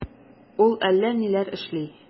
Ул әллә ниләр эшли...